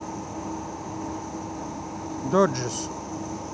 gothic